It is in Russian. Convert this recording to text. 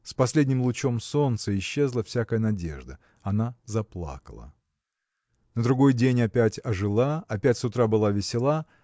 С последним лучом солнца исчезла всякая надежда; она заплакала. На другой день опять ожила опять с утра была весела